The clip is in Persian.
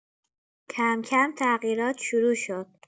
کم‌کم تغییرات شروع شد.